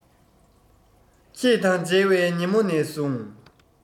ཁྱེད དང མཇལ བའི ཉིན མོ ནས བཟུང